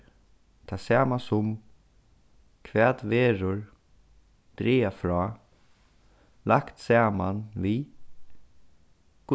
tað sama sum hvat verður draga frá lagt saman við